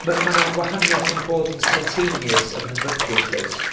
m- ma' 'na wahaniaeth rhwng bod yn spontaneous a bod yn fyrbwyll oes.